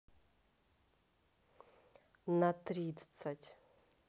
на тридцать